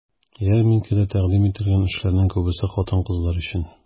Ярминкәдә тәкъдим ителгән эшләрнең күбесе хатын-кызлар өчен.